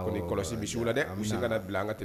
A kɔni kɔlɔsi Misiw la dɛ ,misi kana bila an ka